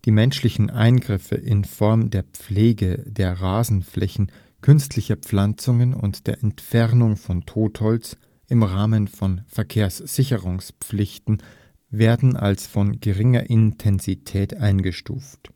menschlichen Eingriffe in Form der Pflege der Rasenflächen, künstlicher Pflanzungen und der Entfernung von Totholz im Rahmen der Verkehrssicherungspflichten werden als von geringer Intensität eingestuft